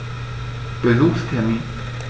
Besuchstermin